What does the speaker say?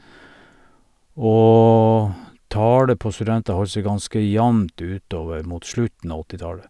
Og tallet på studenter holdt seg ganske jamt ut over mot slutten av åttitallet.